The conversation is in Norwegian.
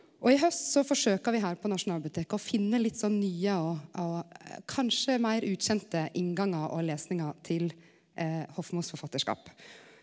og i haust så forsøker vi her på Nasjonalbiblioteket å finne litt sånn nye og og kanskje meir ukjente inngangar og lesingar til Hofmos forfattarskap.